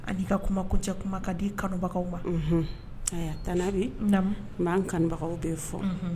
Ani i ka kumakan kuncɛ kumakan di ka kanubagaw ma, unhun , ɛɛ, Tanti Habi, nnbɛ ne ye kanubagaw bɛ fo., unhun.